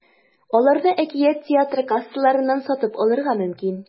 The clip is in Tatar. Аларны “Әкият” театры кассаларыннан сатып алырга мөмкин.